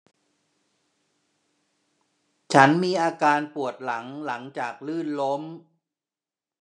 ฉันมีอาการปวดหลังหลังจากลื่นล้ม